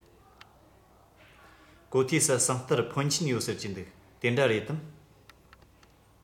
གོ ཐོས སུ ཟངས གཏེར འཕོན ཆེན ཡོད ཟེར གྱི འདུག དེ འདྲ རེད དམ